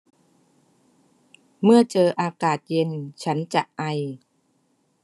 เมื่อเจออากาศเย็นฉันจะไอ